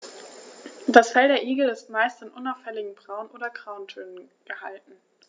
Das Fell der Igel ist meist in unauffälligen Braun- oder Grautönen gehalten.